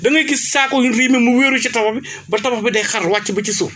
da ngay dis saako yu ñu riime mu wéeru ci tabax bi ba tabax bi day xar wàcc ba ci suuf